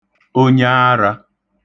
onyaarā